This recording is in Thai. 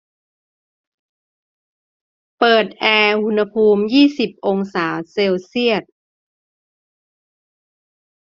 เปิดแอร์อุณหภูมิยี่สิบองศาเซลเซียส